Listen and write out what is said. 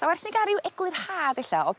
sa werth ni ga'l ryw eglurhad e'lla o